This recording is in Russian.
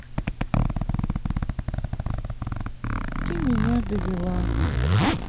ты меня довела